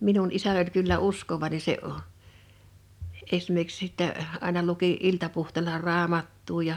minun isäni oli kyllä uskovainen se esimerkiksi sitten aina luki iltapuhteella raamattua ja